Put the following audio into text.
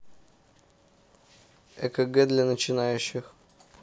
экг для начинающих